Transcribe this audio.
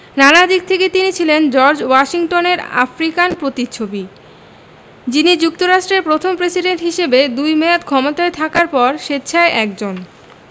নানা দিক থেকে তিনি ছিলেন জর্জ ওয়াশিংটনের আফ্রিকান প্রতিচ্ছবি যিনি যুক্তরাষ্ট্রের প্রথম প্রেসিডেন্ট হিসেবে দুই মেয়াদ ক্ষমতায় থাকার পর স্বেচ্ছায় একজন